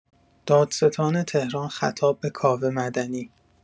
دادستان تهران خطاب به کاوه مدنی